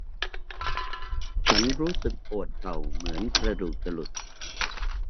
ฉันรู้สึกปวดเข่าเหมือนกระดูกจะหลุด